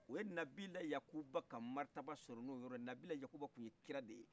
o ye nabila yacuba ka martaba sɔrɔ n'o yɔrɔ de ye nabila yacuba tun ye kira de ye